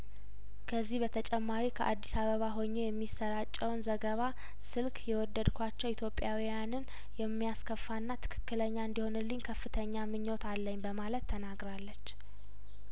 ከዚህ በተጨማሪ ከአዲስ አበባ ሆኜ የሚሰራጨውን ዘገባ ስልክ የወደድኳቸው ኢትዮጵያውያንን የሚያስ ከፋና ትክክለኛ እንዲሆንልኝ ከፍተኛ ምኞች አለኝ በማለት ተናግራለች